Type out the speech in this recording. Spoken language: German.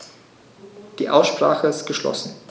Die Aussprache ist geschlossen.